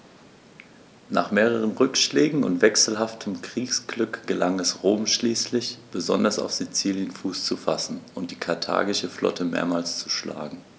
Nach mehreren Rückschlägen und wechselhaftem Kriegsglück gelang es Rom schließlich, besonders auf Sizilien Fuß zu fassen und die karthagische Flotte mehrmals zu schlagen.